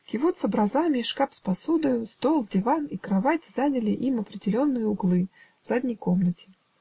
кивот с образами, шкап с посудою, стол, диван и кровать заняли им определенные углы в задней комнате